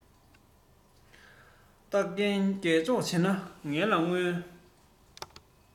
རྟ རྒན སྒལ བཅོས བྱེད པ ངན ལ མངོན